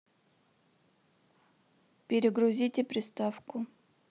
перегрузите приставку